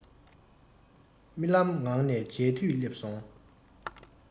རྨི ལམ ངང ནས མཇལ དུས སླེབས སོང